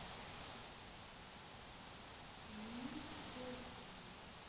ми оззи